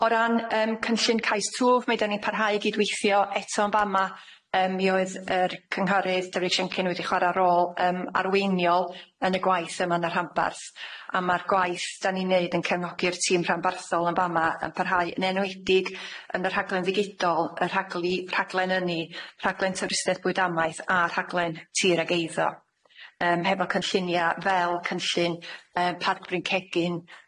O ran yym cynllun cais twf mi 'dan ni'n parhau i gydweithio eto yn fama yym mi oedd yr cynghorydd Dyfrig Siancyn wedi chwara' rôl yym arweiniol yn y gwaith yma yn y rhanbarth a ma'r gwaith 'dan ni'n neud yn cefnogi'r tîm rhanbarthol yn fa'ma yn parhau yn enwedig yn y rhaglen ddigidol y rhaglu- rhaglen ynni rhaglen twristiaeth bwyd amaeth a rhaglen tir ag eiddo yym hefo cynllunia fel cynllun yym Parc Bryn Cegin